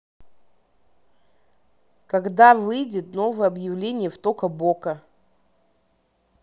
когда выйдет новое обновление в тока бока